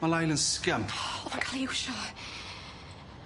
Ma' Lyle yn scum. O, ma'n ca'l i iwsio.